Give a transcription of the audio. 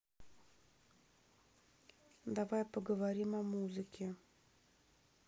давай поговорим о музыке